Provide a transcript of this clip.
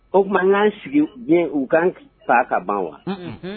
O tuma n'an sigi u bee u k'an k faa ka ban wa un-un unhun